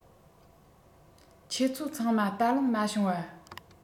ཁྱེད ཚོ ཚང མ བལྟ ལོང མ བྱུང བ